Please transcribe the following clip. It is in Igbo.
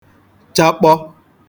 chakpọ